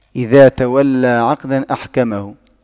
إذا تولى عقداً أحكمه